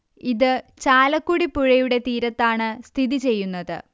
ഇത് ചാലക്കുടി പുഴയുടെ തീരത്താണ് സ്ഥിതിചെയ്യുന്നത്